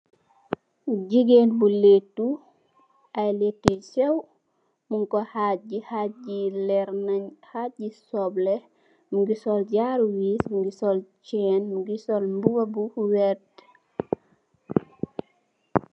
Jegain bu letou aye letou yu seew mugku haje haje yu lerr najj haje suble muge sol jaaru wees muge sol chein muge sol muba bu werte.